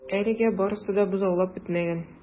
Әлегә барысы да бозаулап бетмәгән.